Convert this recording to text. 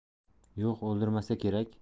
yo'q o'ldirmasa kerak